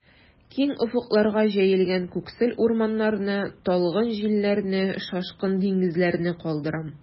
Киң офыкларга җәелгән күксел урманнарны, талгын җилләрне, шашкын диңгезләрне калдырам.